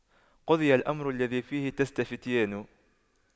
قُضِيَ الأَمرُ الَّذِي فِيهِ تَستَفِتيَانِ